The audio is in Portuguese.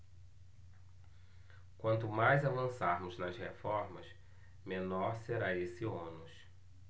quanto mais avançarmos nas reformas menor será esse ônus